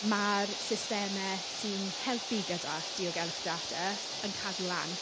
Ma'r systemau sy'n helpu gyda diogelwch data yn cadw lan.